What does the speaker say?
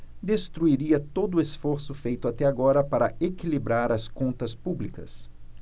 destruiria todo esforço feito até agora para equilibrar as contas públicas